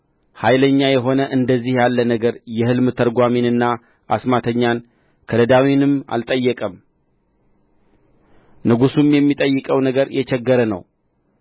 ኃይለኛ የሆነ እንደዚህ ያለ ነገር የሕልም ተርጓሚንና አስማተኛን ከለዳዊንም አልጠየቀም ንጉሡም የሚጠይቀው ነገር የቸገረ ነው